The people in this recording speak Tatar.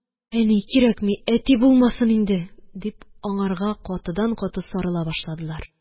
Әни, кирәкми, әти булмасын инде! – дип, аңарга катыдан-каты сарыла башладылар